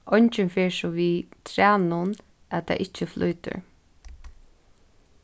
eingin fer so við trænum at tað ikki flýtur